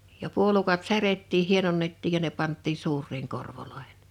ja puolukat särjettiin hienonnettiin ja ne pantiin suuriin korvoihin